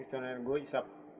itton hen gooƴi sappo